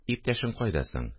– иптәшең кайда соң